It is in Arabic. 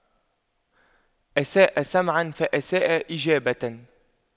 أساء سمعاً فأساء إجابة